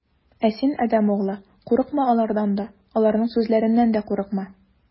Ә син, адәм углы, курыкма алардан да, аларның сүзләреннән дә курыкма.